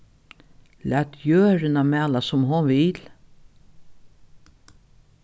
lat jørðina mala sum hon vil